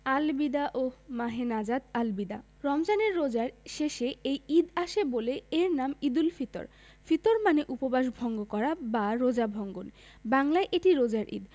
আল বিদা ওহঃ মাহে নাজাত আল বিদা রমজানের রোজার শেষে এই ঈদ আসে বলে এর নাম ঈদুল ফিতর ফিতর মানে উপবাস ভঙ্গ করা বা রোজা ভঙ্গন বাংলায় এটি রোজার ঈদ